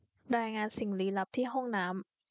รายงานสิ่งลี้ลับที่ห้องน้ำ